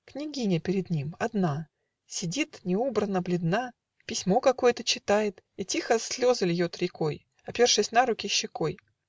Княгиня перед ним, одна, Сидит, не убрана, бледна, Письмо какое-то читает И тихо слезы льет рекой, Опершись на руку щекой.